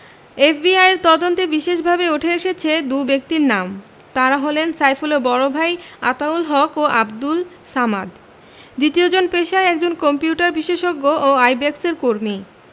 এফবিআইয়ের তদন্তে বিশেষভাবে উঠে এসেছে দু ব্যক্তির নাম তাঁরা হলেন সাইফুলের বড় ভাই আতাউল হক ও আবদুল সামাদ দ্বিতীয়জন পেশায় একজন কম্পিউটার বিশেষজ্ঞ ও আইব্যাকসের কর্মী